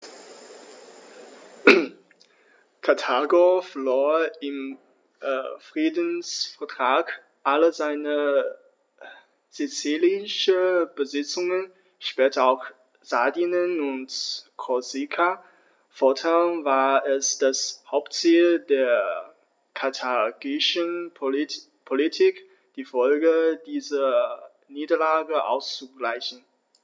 Karthago verlor im Friedensvertrag alle seine sizilischen Besitzungen (später auch Sardinien und Korsika); fortan war es das Hauptziel der karthagischen Politik, die Folgen dieser Niederlage auszugleichen.